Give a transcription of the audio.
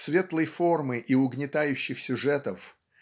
светлой формы и угнетающих сюжетов